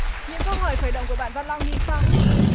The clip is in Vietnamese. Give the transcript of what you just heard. những câu hỏi khởi động của bạn văn long như sau